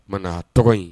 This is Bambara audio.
Ma tɔgɔ in